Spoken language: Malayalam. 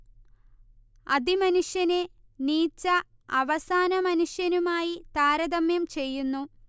അതിമനുഷ്യനെ നീച്ച അവസാനമനുഷ്യനുമായി താരതമ്യം ചെയ്യുന്നു